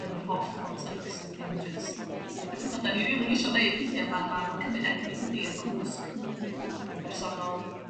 yn yr holl context dim jyst y petha 'dan ni 'rili isio neud withia ma' ma' ma' cymyd egni dydi a cwsg... Mmm m-hm. ...yn bersonol